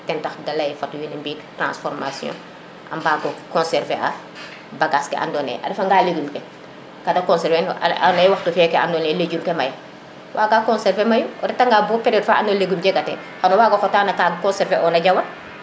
ten tax de leye fat win we mbi ik transformation a mbago conserver a bagas ke ando naye a refa nga legume ke ka de conserver an anda ye waxtu feke lujum ke maya waga conserver mayu o reta nga bo periode fa ando naye legume jegate xano wago xota no ke conserver ona jawan